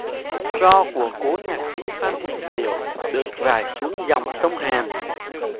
tro của cố nhạc sĩ phan huỳnh điểu được rải xuống dòng sông hàn